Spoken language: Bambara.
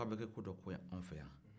yafa bɛ kɛ ko dɔ kɔ yan anw fɛ yan